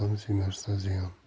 odam semirsa ziyon